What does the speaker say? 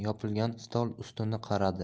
yopilgan stol ustini qaradi